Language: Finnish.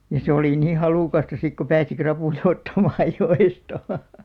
ja se oli niin halukasta sitten kun pääsi rapuja ottamaan joesta